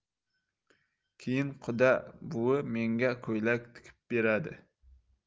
keyin quda buvi menga ko'ylak tikib beradi